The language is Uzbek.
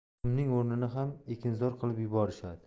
qumning o'rnini ham ekinzor qilib yuborishadi